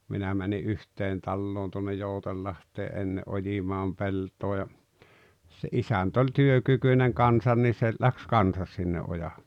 minä menin yhteen taloon tuonne Joutsenlahteen ennen ojimaan peltoa ja se isäntä oli työkykyinen kanssa niin se lähti kanssa sinne ojalle